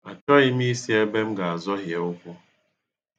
Achọghị m isi ebe m ga-azọhie ụkwụ